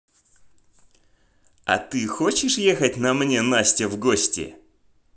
а ты хочешь ехать на мне настя в гости